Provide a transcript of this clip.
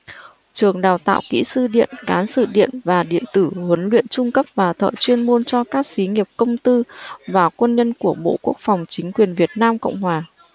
trường đào tạo kỹ sư điện cán sự điện và điện tử huấn luyện trung cấp và thợ chuyên môn cho các xí nghiệp công tư và quân nhân của bộ quốc phòng chính quyền việt nam cộng hòa